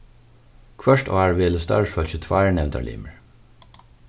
hvørt ár velur starvsfólkið tveir nevndarlimir